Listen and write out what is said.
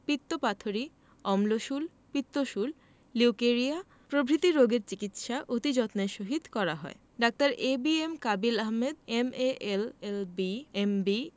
পিত্তপাথড়ী অম্লশূল পিত্তশূল লিউকেরিয়া প্রভৃতি রোগের চিকিৎসা অতি যত্নের সহিত করা হয় ডাঃ ABM Kabil Ahmed MA LLB MB